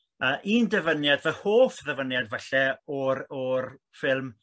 yy un dyfyniad fy hoff ddyfyniad falle o'r o'r ffilm